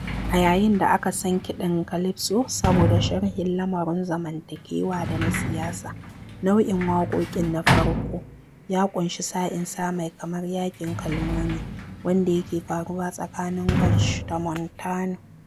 A yayin da aka san kiɗan calypso saboda sharhin lamarun zamantakewa da na siyasa, nau'in waƙoƙin na farko ya ƙunshi sa'insa mai kamar yaƙin kalmomi wanda yake faruwa tsakanin George da Montano.